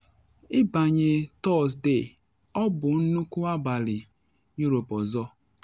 Ịbanye Tọsde, ọ bụ nnukwu abalị Europe ọzọ.